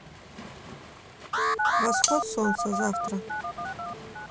восход солнца завтра